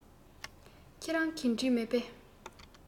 ཁྱེད རང གིས བྲིས མེད པས